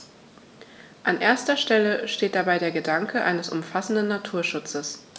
An erster Stelle steht dabei der Gedanke eines umfassenden Naturschutzes.